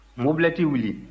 mobilɛti wuli